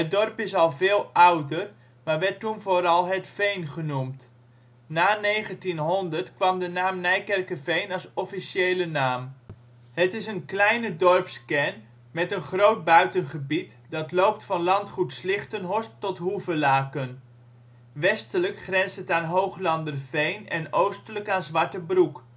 dorp is al veel ouder maar werd toen vooral het Veen genoemd. Na 1900 kwam de naam Nijkerkerveen als officiële naam. Het is een kleine dorpskern met een groot buitengebied dat grenst van landgoed Slichtenhorst tot Hoevelaken. Westelijk grenst het aan Hooglanderveen (Amersfoort) en oostelijk aan Zwartebroek